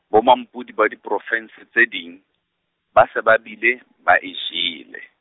bo mampodi ba diprovinse tse ding, ba se ba bile , ba e jele.